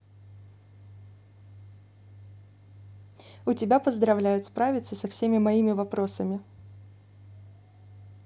у тебя поздравляют справиться со всеми моими вопросами